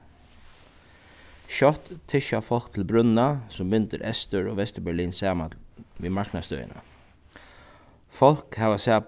skjótt tysja fólk til brúnna sum bindur eystur- og vesturberlin saman við marknastøðina fólk hava sæð